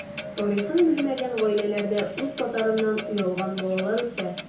Тарихын белмәгән гаиләләрдә үз татарыннан оялган балалар үсә.